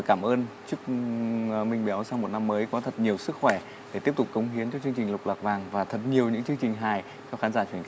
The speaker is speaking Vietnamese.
cảm ơn chúc ờm minh béo sang một năm mới có thật nhiều sức khỏe để tiếp tục cống hiến cho chương trình lục lạc vàng và thật nhiều những chương trình hài cho khán giả truyền